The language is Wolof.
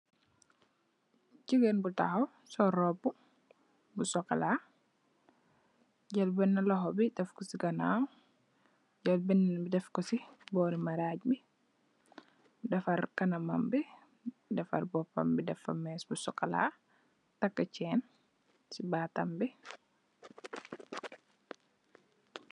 Jigéen bu taxaw, sol robbu, bu sokolaa, jël beenë loxo tek ko si ganaawam, jël bénen bi, def ko si maraaj bi, defar kanamam bi, jël boopam bi def si mees, takkë ceen si baatam bi.